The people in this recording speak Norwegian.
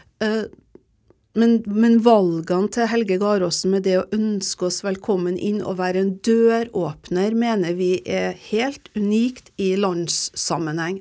men men valgene til Helge Garåsen med det å ønske oss velkommen inn og være en døråpner mener vi er helt unikt i landssammenheng.